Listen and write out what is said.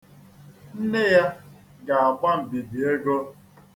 Nne ya ga-agba mbibi ego.